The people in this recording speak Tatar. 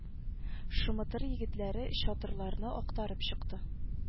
Шымытыр егетләре чатырларны актарып чыкты